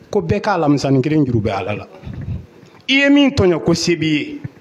Ko bɛɛ k' alaminink jurubɛ ala la i ye min tɔ ye ko se bi ye